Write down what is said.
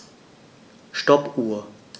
Stoppuhr.